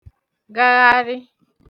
gagharị